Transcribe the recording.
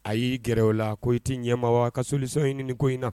A y'i gɛrɛ o la ko i t'i ɲɛma wa ka solution ɲini ko in na!